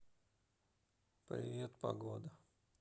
привет погода